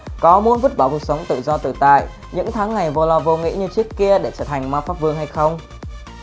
có muốn vứt bỏ cuộc sống tự do tự tại những tháng ngày vô lo vô nghĩ như trước kia để trở thành mpv hay không